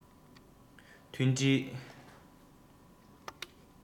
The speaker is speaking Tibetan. མཐུན སྒྲིལ